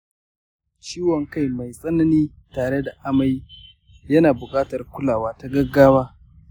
ciwon kai mai tsanani tare da amai yana buƙatar kulawa ta gaggawa.